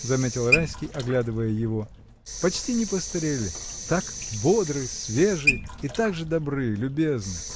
— заметил Райский, оглядывая его, — почти не постарели, так бодры, свежи и так же добры, любезны!